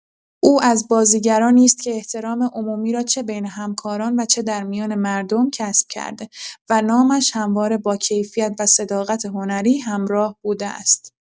او از بازیگرانی است که احترام عمومی را چه بین همکاران و چه در میان مردم کسب کرده و نامش همواره باکیفیت و صداقت هنری همراه بوده است.